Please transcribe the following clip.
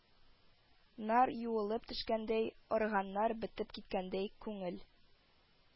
Нар юылып төшкәндәй, арганнар бетеп киткәндәй, күңел